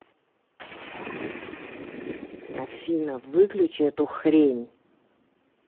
афина выключи эту хрень